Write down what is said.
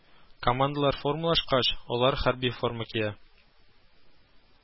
Командалар формалашкач, алар хәрби форма кия